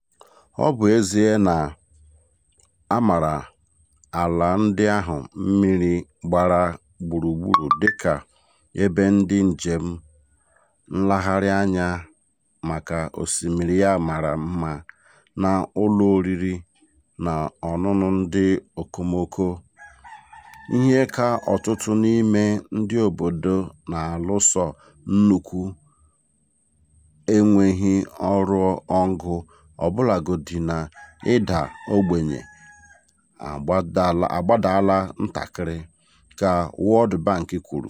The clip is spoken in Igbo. Ọ bụ ezie na a maara ala ndị ahụ mmiri gbara gburugburu dịka ebe ndị njem nlegharị anya maka osimiri ya mara mma na ụlọ oriri na ọṅụṅụ ndị okomoko, ihe ka ọtụtụ n'ime ndị obodo na-alụso nnukwu enweghị ọrụ ọgụ ọbụlagodi na ịda ogbenye agbadala ntakịrị, ka World Bank kwuru.